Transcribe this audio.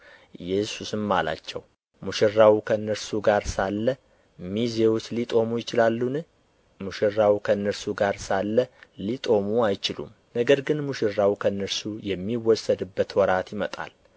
ኢየሱስም አላቸው ሙሽራው ከእነርሱ ጋር ሳለ ሚዜዎች ሊጦሙ ይችላሉን ሙሽራው ከእነርሱ ጋር ሳለ ሊጦሙ አይችሉም ነገር ግን ሙሽራው ከእነርሱ የሚወሰድበት ወራት ይመጣል